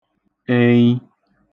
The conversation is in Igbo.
enyi